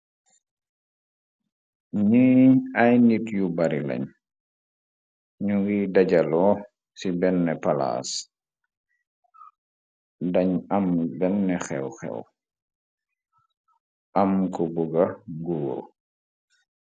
Nye ay nit yu bari lañ ñu ngiy dajaloo ci benne palaas dañ am benn xew-xew am ko buga guo.